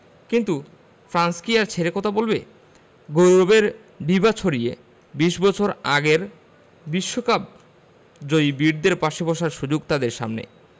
কিন্তু ফ্রান্স কি আর ছেড়ে কথা বলবে গৌরবের বিভা ছড়িয়ে ২০ বছর আগের বিশ্বকাপজয়ী বীরদের পাশে বসার সুযোগ তাদের সামনে